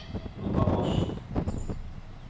rundan ost